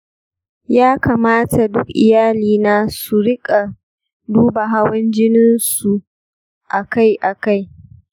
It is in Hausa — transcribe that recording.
ya kamata duk iyalina su riƙa duba hawan jininsu a kai a kai?